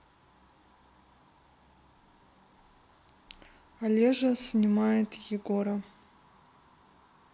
олежа снимает егора